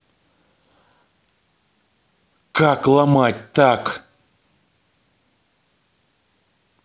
как ломать так